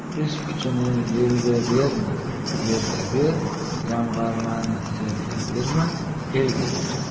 ish kuchini yelga berma yerga ber jamg'armani selga berma elga ber